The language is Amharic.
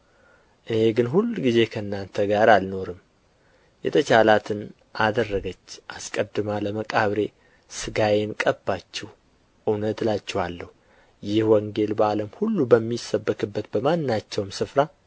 እኔ ግን ሁልጊዜ ከእናንተ ጋር አልኖርም የተቻላትን አደረገች አስቀድማ ለመቃብሬ ሥጋዬን ቀባችው እውነት እላችኋለሁ ይህ ወንጌል በዓለሙ ሁሉ በሚሰበክበት በማናቸውም ስፍራ